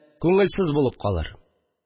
Күңелсез булып калыр